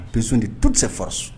Biundi tu se fara so